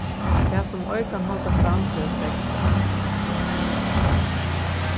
tað sum ei kann halda fram fer at steðga